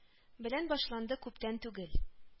Белән башланды күптән түгел